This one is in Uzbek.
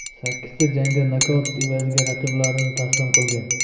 sakkizta jangda nokaut evaziga raqiblarini taslim qilgan